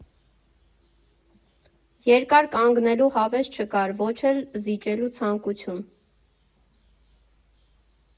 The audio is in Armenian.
Երկար կանգնելու հավես չկար, ոչ էլ՝ զիջելու ցանկություն։